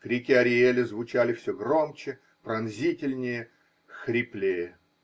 Крики Ариэля звучали все громче, пронзительнее, хриплее